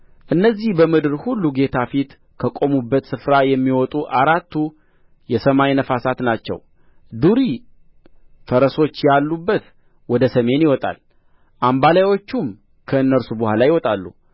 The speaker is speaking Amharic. እነዚህ በምድር ሁሉ ጌታ ፊት ከቆሙበት ስፍራ የሚወጡ አራቱ የሰማይ ነፋሳት ናቸው ዱሪ ፈረሶች ያሉበት ወደ ሰሜን ይወጣል አምባላዮቹም ከእነርሱ በኋላ ይወጣሉ